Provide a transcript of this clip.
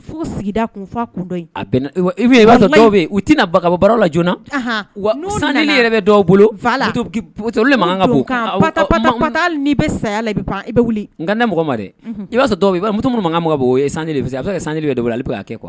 Fo sigida kunfa kun dɔw u tɛna baba kaba baro la joonana wa san yɛrɛ bolo makan taa ni bɛ saya i i bɛ wuli mɔgɔ ma dɛ i'a dɔw muso makankan mɔgɔ bɔ san' sanni de don bolo ale bɛ' kɛ kuwa